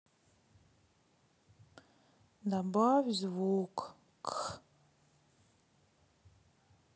добавить звук к